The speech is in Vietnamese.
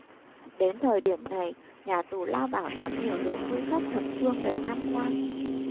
đến thời điểm này nhà tù lao bảo đón nhiều lượt du khách thập phương về tham quan